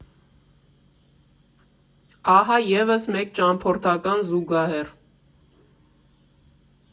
Ահա, ևս մեկ ճամփորդական զուգահեռ.